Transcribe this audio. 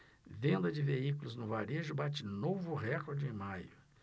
venda de veículos no varejo bate novo recorde em maio